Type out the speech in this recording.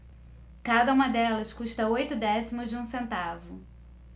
cada uma delas custa oito décimos de um centavo